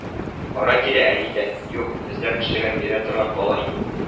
Ара-тирә әни дә: "Юк, бездә кешегә бирә торган бала юк